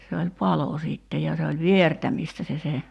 se oli palo sitten ja se oli viertämistä se se